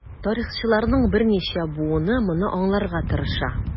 Тарихчыларның берничә буыны моны аңларга тырыша.